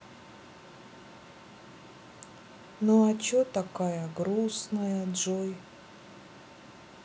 ну а че такая грустная джой